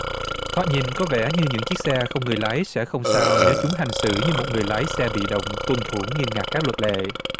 thoạt nhìn có vẻ như những chiếc xe không người lái sẽ không sao nếu chúng hành xử như một người lái xe bị động tuân thủ nghiêm ngặt các luật lệ